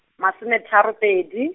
masome tharo pedi.